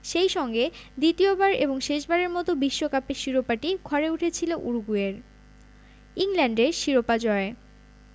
সেই সঙ্গে দ্বিতীয়বার এবং শেষবারের মতো বিশ্বকাপের শিরোপাটি ঘরে উঠেছিল উরুগুয়ের ইংল্যান্ডের শিরোপা জয়